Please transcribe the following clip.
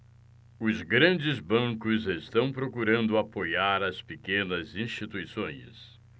os grandes bancos estão procurando apoiar as pequenas instituições